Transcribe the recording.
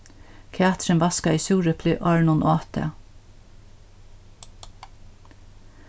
katrin vaskaði súreplið áðrenn hon át tað